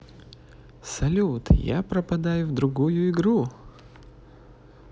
салют я пропадаю другую игру